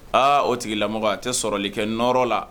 Aa o tigi lamɔgɔ a tɛ sɔrɔli kɛ nɔɔrɔ la